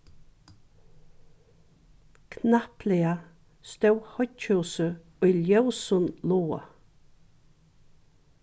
knappliga stóð hoyggjhúsið í ljósum loga